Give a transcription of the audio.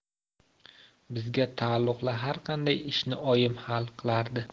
bizga taalluqli har qanday ishni oyim hal qilardi